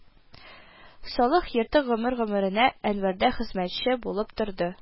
Салах Ертык гомер-гомеренә Әнвәрдә хезмәтче булып торды